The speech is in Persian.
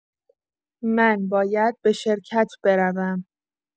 من باید به شرکت بروم.